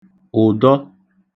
ụ̀dọ